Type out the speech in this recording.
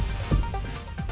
xăng